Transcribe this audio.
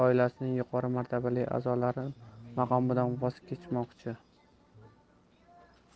oilasining yuqori martabali a'zolari maqomidan voz kechmoqchi